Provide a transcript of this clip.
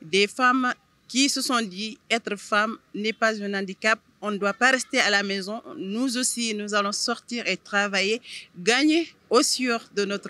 De fama k'i sonsɔndi etorfa nepznandi kapɛrete alami nsi ninnusan sɔti tarawele ye gan ye o siyɔrɔ donto